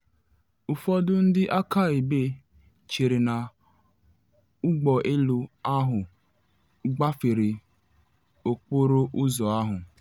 Ụfọdụ ndị akaebe chere na ụgbọ elu ahụ gbafere okporo ụzọ ahụ.